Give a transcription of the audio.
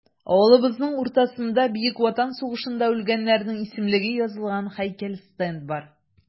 Авылыбызның уртасында Бөек Ватан сугышында үлгәннәрнең исемлеге язылган һәйкәл-стенд бар.